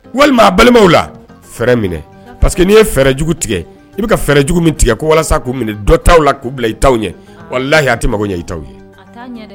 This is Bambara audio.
Walima a balimaw la fɛrɛɛrɛ minɛ paseke que n'i ye fɛɛrɛjugu tigɛ i bɛ ka fɛɛrɛ jugu min tigɛ walasa k'u minɛ dɔ t'w la k'u bila i' aw ye wala la y'a tɛ mako ɲɛ i' ye